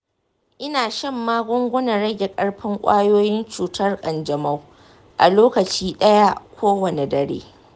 ina shan magungunan rage ƙarfin ƙwayoyin cutar kanjamau a lokaci ɗaya kowane dare.